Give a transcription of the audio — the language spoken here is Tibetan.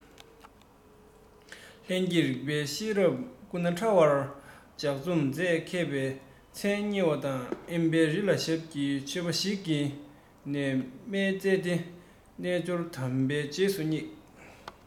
ལྷན སྐྱེས རིགས པའི ཤེས རབ སྐུ ན ཕྲ བར ལྗགས རྩོམ མཛད མཁས པའི མཚན སྙན བ དན དབེན པའི རི ལ ཞབས ཀྱིས ཆོས པ ཞིག གི གནས མལ བཙལ ཏེ རྣལ འབྱོར དམ པའི རྗེས སུ བསྙེགས